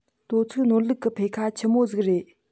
དོ ཚིགས ནོར ལུག གི འཕེས ཁ ཆི མོ ཟིག རེད